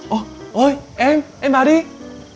ôi em em vào đi